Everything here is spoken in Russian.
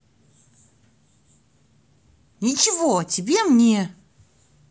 ничего тебе мне